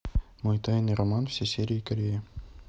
мой тайный роман все серии корея